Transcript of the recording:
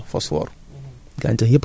dafa dafa am solo ci gàncax